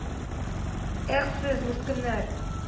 «эх, сез, мескеннәр